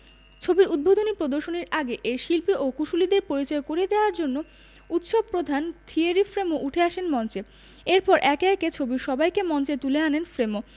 ছবির উদ্বোধনী প্রদর্শনীর আগে এর শিল্পী ও কুশলীদের পরিচয় করিয়ে দেওয়ার জন্য উৎসব প্রধান থিয়েরি ফ্রেমো উঠে আসেন মঞ্চে এরপর একে একে ছবির সবাইকে মঞ্চে তুলে আনেন ফ্রেমো